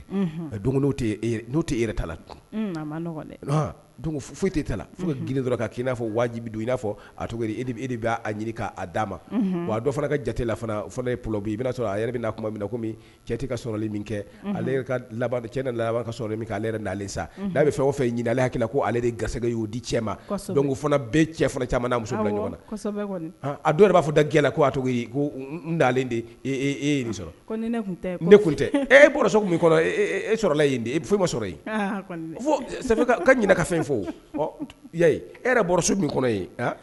Foyi tɛa wajibi don ia ɲinia jate na'ale sa n'a bɛ fɛ o fɛya ko aleale de gagɛ y'o di cɛ ma don fana cɛ muso ɲɔgɔn na a dɔw de b'a fɔ da gɛlɛla ko de sɔrɔ ne tun bɔra e ma sɔrɔ yen kaka fɛn fo ya min kɔnɔ